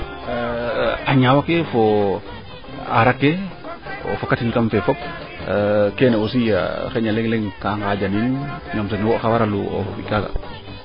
d' accord a ñaawa ke fo a arake p fokatin kam fee fop keene aussi xayna leŋ leŋ kaa ŋajanin xq waralu o fi kaaga